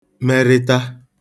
merịta